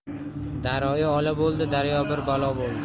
daroyi ola bo'ldi daryo bir balo bo'ldi